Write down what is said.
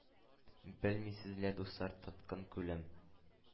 Белмисез лә, дуслар, тоткын күңел,